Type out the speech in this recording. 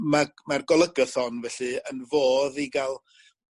ma' ma'r golygathon felly yn fodd i ga'l